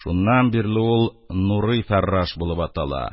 Шуннан бирле ул — «Нурый фәрраш» булып атала